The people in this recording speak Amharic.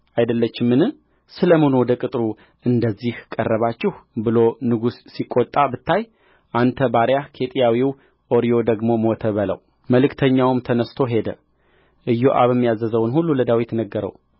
አይደለችምን ስለ ምን ወደ ቅጥሩ እንደዚህ ቀርባችሁ ብሎ ንጉሡ ሲቈጣ ብታይ አንተ ባሪያህ ኬጢያዊው ኦርዮ ደግሞ ሞተ በለው መልእክተኛውም ተነሥቶ ሄደ ኢዮአብም ያዘዘውን ሁሉ ለዳዊት ነገረው